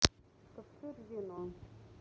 каптюр рено